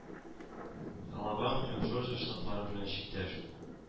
Алабама һәм Джорджия штатлары белән чиктәш